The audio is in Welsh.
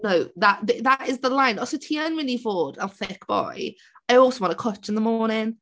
No that the- that is the line. Os wyt ti yn mynd i fod yn thick boy I also want a cwtsh in the morning.